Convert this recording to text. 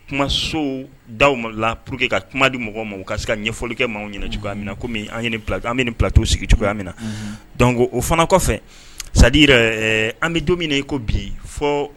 Kumaso da la pur que ka kuma di mɔgɔ ka ɲɛfɔlikɛ ma ɲɛna cogoya min na an ye an bɛ nito sigi cogoyamina na don o fana kɔfɛ sa yɛrɛ an bɛ don min yen ko bi fɔ